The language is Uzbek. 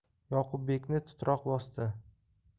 yoqubbekni titroq bosdi